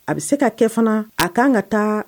A bɛ se ka kɛ fana a kan ka taa